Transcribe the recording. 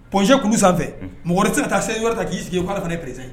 Point G kulu sanfɛ, unhun, mɔgɔ wɛrɛ tɛ se ka taa chaise wɛrɛ ta k'i sigi k'ale fana ye président ye